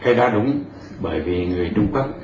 cái đó đúng bởi vì người trung quốc